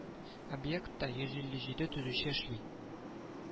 Объектта бер йөз илле җиденче төзүче эшли